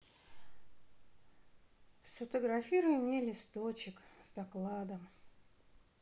сфотографируй мне листочек с докладом